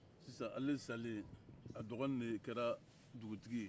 sisan ale salen a dɔgɔnin de kɛra dugutigi ye